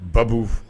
Ba